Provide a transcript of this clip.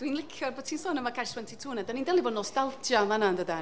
Dwi'n licio bod ti'n sôn am y catch twenty two 'na, dan ni'n delio efo nostalgia yn fan'na yn dydan?